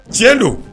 Tiɲɛ don